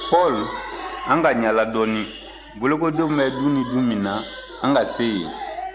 paul an k'an yaala dɔɔnin bolokodenw bɛ du ni du min na an ka se yen